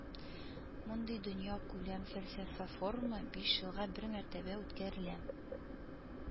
Мондый дөньякүләм фәлсәфә форумы биш елга бер мәртәбә үткәрелә